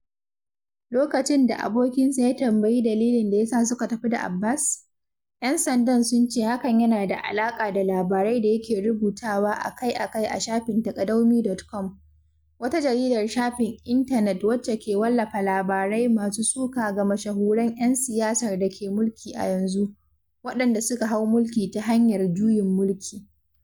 Lokacin da abokinsa ya tambayi dalilin da ya sa suka tafi da Abbass, ‘yan sandan sun ce hakan yana da alaƙa da labarai da yake rubutawa akai-akai a shafin Taqadoumy.com, wata jaridar shafin intanet wacce ke wallafa labarai masu suka ga mashahuran 'yan siyasar dake mulki a yanzu, waɗanda suka hau mulki ta hanyar juyin mulki.